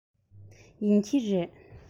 ཡིན གྱི རེད